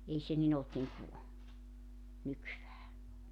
ei se niin ollut niin kuin nykyään